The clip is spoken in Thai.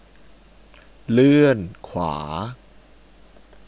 เลื่อนขวา